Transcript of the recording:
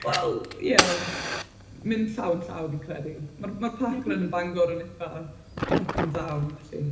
Wel ie, mynd llaw yn llaw fi'n credu. Ma'r mae'r park run yn Bangor yn eitha up and down felly.